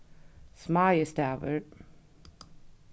smáir stavir